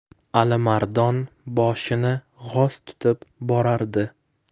alimardon boshini g'oz tutib borardi